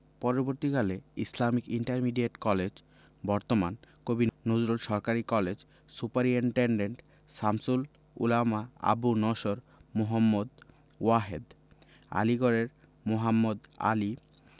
পরবর্তীকালে Islamic intermediate college বর্তমান কবি নজরুল সরকারি কলেজ সুপারিন্টেন্ডেন্ট শামসুল উলামা আবু নসর মুহম্মদ ওয়াহেদ আলীগড়ের মোহাম্মদ আলী